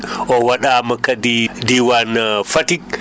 o waɗaama kadi diiwaan Fatick